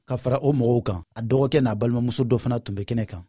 ka fara o mɔgɔw kan a dɔgɔkɛ n'a balimamuso dɔ fana tun bɛ kɛnɛ kan